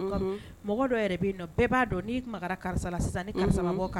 Mɔgɔ dɔ yɛrɛ ben in nɔ bɛɛ b’a dɔn ni makara karisa la sisan, ni karisalakaw